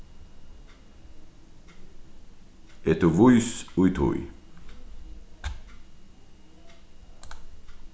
ert tú vís í tí